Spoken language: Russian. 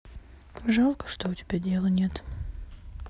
жалко что у тебя дела нет